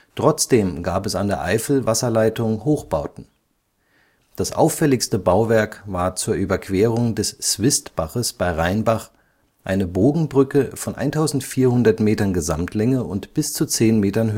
Trotzdem gab es an der Eifelwasserleitung Hochbauten. Das auffälligste Bauwerk war zur Überquerung des Swistbaches bei Rheinbach eine Bogenbrücke von 1400 Metern Gesamtlänge und bis zu 10 Metern